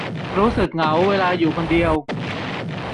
รู้สึกเหงาเวลาอยู่คนเดียว